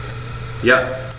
Ja.